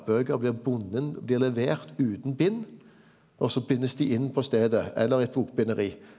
bøker blir bundne blir levert utan bind og så bindast dei inn på staden eller eit bokbinderi.